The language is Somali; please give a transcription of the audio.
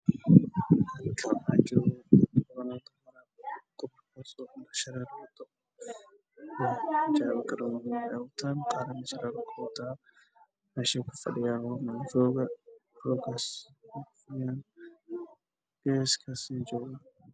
Meshan waxaa fadhiya naago badan waxey xiran yihiin indha sharer madow ah